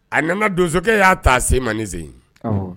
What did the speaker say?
A nana donso y'a ta se ma nin zyi